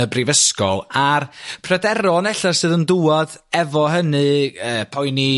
y brifysgol a'r pryderon ella sydd yn dŵad efo hynny y poeni yy